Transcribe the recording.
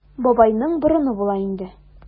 Бабайның борыны була инде.